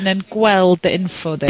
yn gweld dy info di?